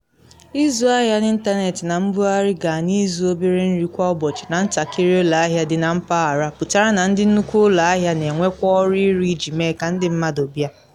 Ịzụ ahịa n’ịntanetị na mbugharị gaa na ịzụ obere nri kwa ụbọchị na ntakịrị ụlọ ahịa dị na mpaghara pụtara na ndị nnukwu ụlọ ahịa na enwekwu ọrụ ịrụ iji mee ka ndị mmadụ bịa.